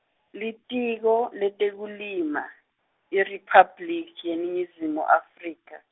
Litiko, leTekulima, IRiphabliki yeNingizimu Afrika.